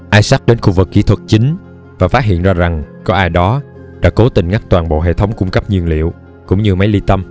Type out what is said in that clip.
isaac đến khu vực kỹ thuật chính và phát hiện ra rằng có ai đó đã cố tình ngắt toàn bộ hệ thống cung cấp nhiên liệu cũng như máy ly tâm